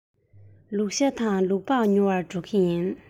ལུག ཤ དང ལུག ལྤགས ཉོ བར འགྲོ གི ཡིན